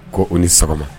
Ko u ni sɔgɔma